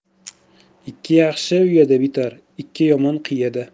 ikki yaxshi uyada bitar ikki yomon qiyada